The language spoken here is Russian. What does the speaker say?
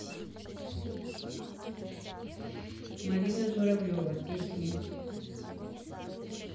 марина журавлева песни